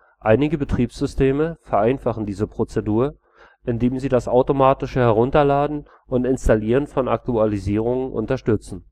Einige Betriebssysteme vereinfachen diese Prozedur, indem sie das automatische Herunterladen und Installieren von Aktualisierungen unterstützen